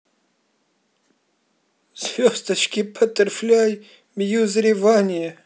звездочки баттерфляй мьюзревание